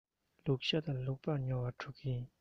ལུག ཤ དང ལུག ལྤགས ཉོ བར འགྲོ གི ཡིན